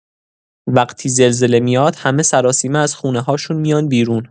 وقتی زلزله میاد، همه سراسیمه از خونه‌هاشون میان بیرون.